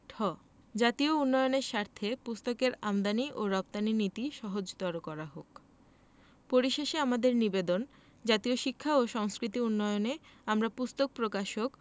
ঠ জাতীয় উন্নয়নের স্বার্থে পুস্তকের আমদানী ও রপ্তানী নীতি সহজতর করা হোক পরিশেষে আমাদের নিবেদন জাতীয় শিক্ষা ও সংস্কৃতি উন্নয়নে আমরা পুস্তক প্রকাশক